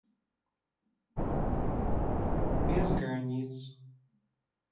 без границ